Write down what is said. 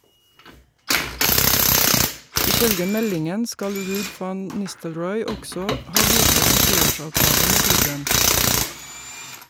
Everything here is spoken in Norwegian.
Ifølge meldingen skal Ruud van Nistelrooy også ha godtatt en treårsavtale med klubben.